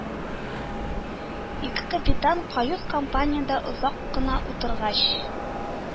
Ике капитан, кают-компаниядә озак кына утыргач,